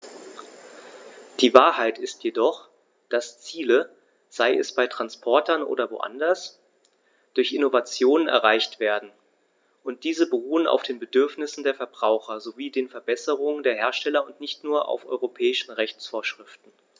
Die Wahrheit ist jedoch, dass Ziele, sei es bei Transportern oder woanders, durch Innovationen erreicht werden, und diese beruhen auf den Bedürfnissen der Verbraucher sowie den Verbesserungen der Hersteller und nicht nur auf europäischen Rechtsvorschriften.